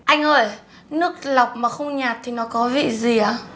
anh ơi nước lọc mà không nhạt thì nó có vị gì ạ